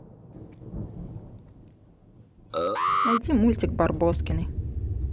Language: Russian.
найди мультик барбоскины